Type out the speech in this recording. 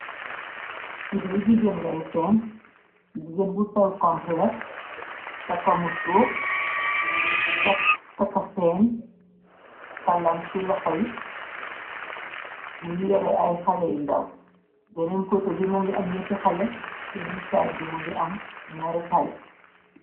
Tideey jigéen ngay seen, jigéen bu sol komple, taka mu suuf, taka seen, taka lam ci loxoy, mu ngi yore ay xaley ndaw, benneen kota bimu ngi am ñetti xale, benneen saay bimu ngi am ñaari xale.